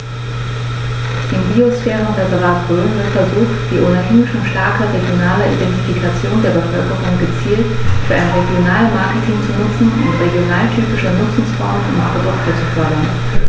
Im Biosphärenreservat Rhön wird versucht, die ohnehin schon starke regionale Identifikation der Bevölkerung gezielt für ein Regionalmarketing zu nutzen und regionaltypische Nutzungsformen und Produkte zu fördern.